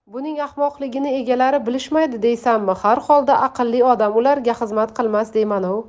buning ahmoqligini egalari bilishmaydi deysanmi har holda aqlli odam ularga xizmat qilmas deyman ov